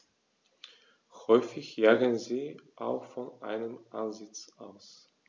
Häufig jagen sie auch von einem Ansitz aus.